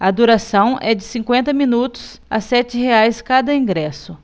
a duração é de cinquenta minutos a sete reais cada ingresso